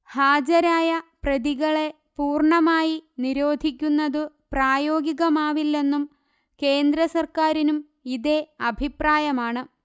ഹാജരായ പ്രതികളെ പൂർണമായി നിരോധിക്കുന്നതു പ്രായോഗികമാവില്ലെന്നും കേന്ദ്രസര്ക്കാരിനും ഇതേ അഭിപ്രായമാണ്